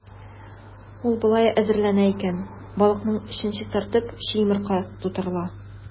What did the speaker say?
Ул болай әзерләнә икән: балыкның эчен чистартып, чи йомырка тутырыла.